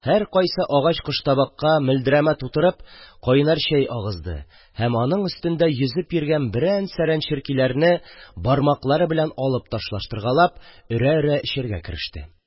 Һәркайсы агач коштабакка мөлдерәмә тутырып кайнар чәй агызды һәм аның өстендә йөзеп йөргән берән-сәрән черкиләрне бармаклары белән алып ташлаштыргалап, өрә-өрә эчәргә кереште.